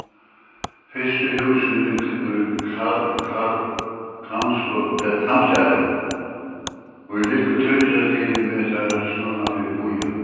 fyrstu húsini í kambsdali ið liggur tríggjar kilometrar sunnan fyri býin